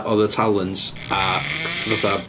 Oedd y talons a fatha,